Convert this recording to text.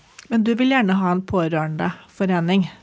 men du vil gjerne ha en pårørendeforening.